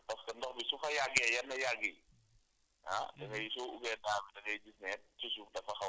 yooyu day changer ci suuf ndaa bi parce que ndox bi su fa yàggee yenn yàgg yi ah